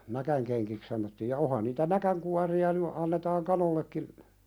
näkinkenkiä sanottiin ja onhan niitä näkinkuoria nyt annetaan kanoillekin